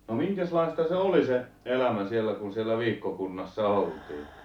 no minkäslaista se oli se elämä siellä kun siellä viikkokunnassa oltiin